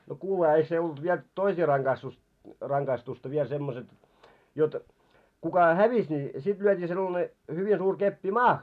no kuulehan eikä se ollut vielä toisia rangaistus rangaistusta vielä semmoiset jotta kuka hävisi niin sitten lyötiin sellainen hyvin suuri keppi maahan